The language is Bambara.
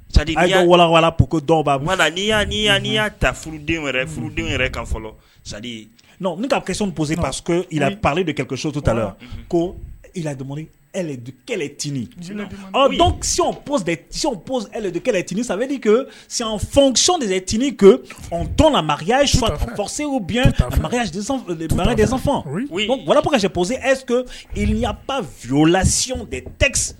Sadiawa dɔwa y'a tadenden kan sadi ka kɛ pose pa aleale de kɛ sotuta kodmoridtinidtini sabadi detinitɔn makan yyase bi makan bana de wara kasepsi epba filasi tɛ